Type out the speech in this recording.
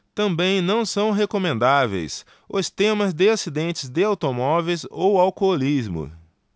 também não são recomendáveis os temas de acidentes de automóveis ou alcoolismo